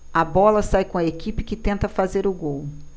a bola sai com a equipe que tenta fazer o gol